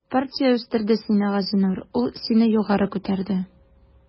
Партия үстерде сине, Газинур, ул сине югары күтәрде.